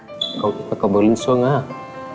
cầu cầu vượt liên xuân á